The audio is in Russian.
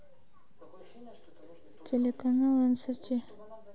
телеканал нст